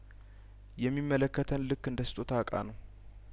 የሚመለከተን ልክ እንደስጦታ እቃ ነው